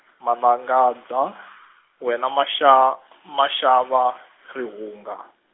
Malangadza , wena maxa maxava rihunga.